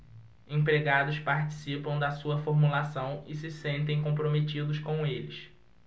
empregados participam da sua formulação e se sentem comprometidos com eles